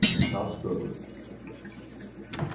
dalsbøur